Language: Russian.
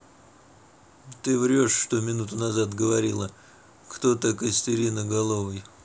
ты врешь что минуту назад говорила кто то костерина головый